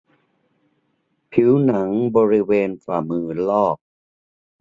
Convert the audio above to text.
ผิวหนังบริเวณฝ่ามือลอก